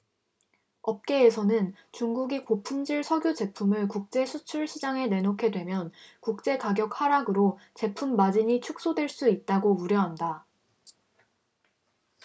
업계에서는 중국이 고품질 석유 제품을 국제 수출 시장에 내놓게 되면 국제가격 하락으로 제품 마진이 축소될 수 있다고 우려한다